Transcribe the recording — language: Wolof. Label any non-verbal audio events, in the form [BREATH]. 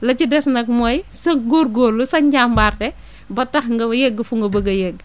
la ca des nag mooy sa góorgóorlu sa njàmbaarte [BREATH] ba tax nga yegg fu nga bëgg a yegg